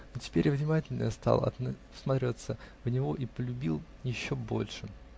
но теперь я внимательнее стал всматриваться в него и полюбил еще больше.